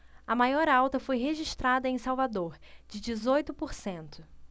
a maior alta foi registrada em salvador de dezoito por cento